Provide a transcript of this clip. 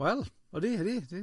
Wel, odi, ydi.